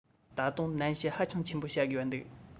ད དུང ནན བཤད ཧ ཅང ཆེན པོ བྱ དགོས པ འདུག